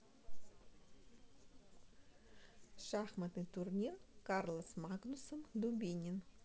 шахматный турнир карлос магнусом дубинин